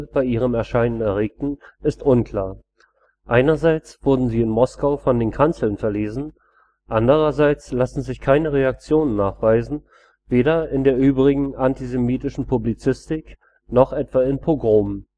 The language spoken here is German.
bei ihrem Erscheinen erregten, ist unklar: Einerseits wurden sie in Moskau von den Kanzeln verlesen, andererseits lassen sich keine Reaktionen nachweisen, weder in der übrigen antisemitischen Publizistik noch etwa in Pogromen